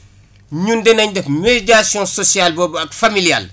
ñun dinañ def médiation sociale boobu ak familiale